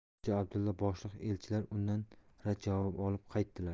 xo'ja abdulla boshliq elchilar undan rad javobi olib qaytdilar